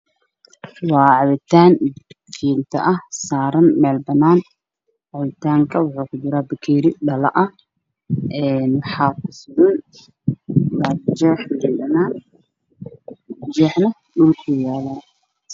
Waa cabitan fito ah saran mel banan ah waxow kujira baketi dhalo ah waxa kusuran liindhanan